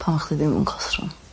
Pan o'ch chdi ddim yn classroom.